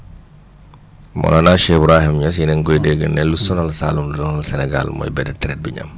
Maolana Cheikh Ibrahim Niass yéen a ngi koy dégg ne lu sonal Saloum sonal Sénégal mooy benn traite bi ñu am